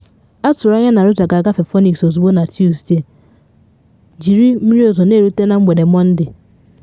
Atụrụ anya na Rosa ga-agafe Phoenix ozugbo na Tusde, jiri mmiri ozizo na erute na mgbede Mọnde.